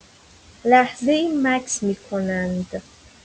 لحظه‌ای مکث می‌کنند.